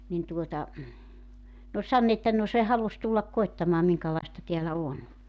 niin tuota ne oli sanonut että no se halusi tulla koettamaan minkälaista täällä on